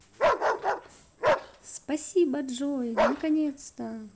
спасибо джой наконец то